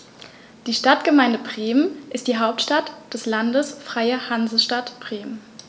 Die Stadtgemeinde Bremen ist die Hauptstadt des Landes Freie Hansestadt Bremen.